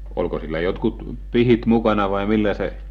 olko sillä jotkut pihdit mukana vai millä se